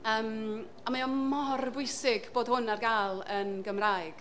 yym a mae o mor bwysig bod hwn ar gael yn Gymraeg.